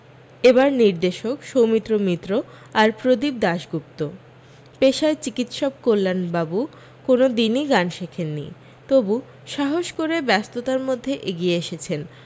এবার নির্দেশক সৌমিত্র মিত্র আর প্রদীপ দাশগুপ্ত পেশায় চিকিৎসক কল্যাণবাবু কোনও দিনি গান শেখেননি তবু সাহস করে ব্যস্ততার মধ্যে এগিয়ে এসেছেন